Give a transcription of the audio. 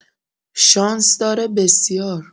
شانس داره بسیار